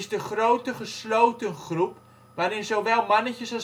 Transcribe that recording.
de grote gesloten groep, waarin zowel mannetjes